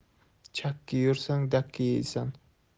chakki yursang dakki yersan